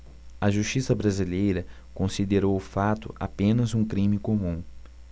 a justiça brasileira considerou o fato apenas um crime comum